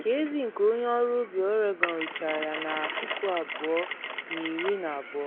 Ka ezi nke onye ọrụ ubi Oregon richara ya na 2012,